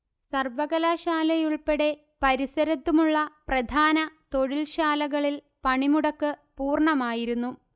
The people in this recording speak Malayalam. സർവകലാശാലകളുൾപ്പെടെ പരിസരത്തുമുള്ള പ്രധാന തൊഴില്ശാലകളിൽ പണിമുടക്ക് പൂർണമായിരുന്നു